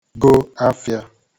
go afịā